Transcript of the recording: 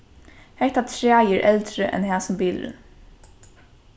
hetta træið er eldri enn hasin bilurin